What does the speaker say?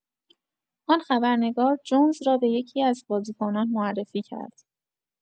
آن خبرنگار، جونز را به یکی‌از بازیکنان معرفی کرد.